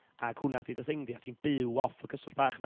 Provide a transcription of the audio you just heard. Ac hwnna ydy dy thing di, a ti'n byw off y cyswllt bach 'na.